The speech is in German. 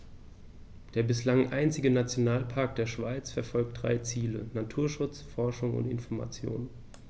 Der bislang einzige Nationalpark der Schweiz verfolgt drei Ziele: Naturschutz, Forschung und Information.